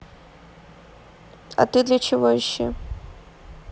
а ты для чего ищи